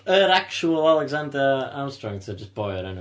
Yr actual Alexander Armstrong, ta jyst boi o'r enw...